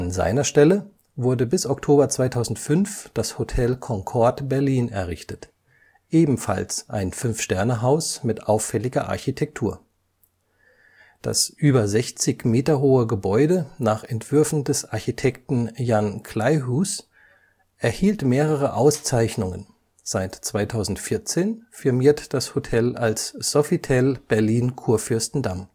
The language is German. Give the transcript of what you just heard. seiner Stelle wurde bis Oktober 2005 das Hotel Concorde Berlin errichtet, ebenfalls ein Fünfsterne-Haus mit auffälliger Architektur. Das über 60 Meter hohe Gebäude nach Entwürfen des Architekten Jan Kleihues erhielt mehrere Auszeichnungen, seit 2014 firmiert das Haus als Sofitel Berlin Kurfürstendamm